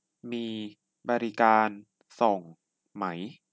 มีบริการส่งไหม